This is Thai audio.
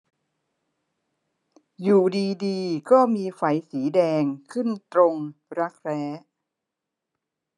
อยู่ดีดีก็มีไฝสีแดงขึ้นตรงรักแร้